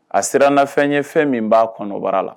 A sera na fɛn ye fɛn min b'a kɔnɔbara la